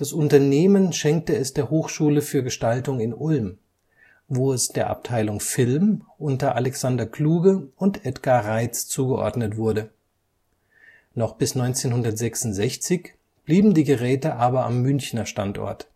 Unternehmen schenkte es der Hochschule für Gestaltung in Ulm, wo es der Abteilung Film unter Alexander Kluge und Edgar Reitz zugeordnet wurde. Noch bis 1966 blieben die Geräte aber am Münchner Standort